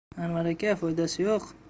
anvar aka foydasi yo'q